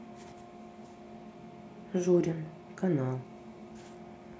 журин канал